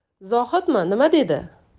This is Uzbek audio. zohidmi nima dedi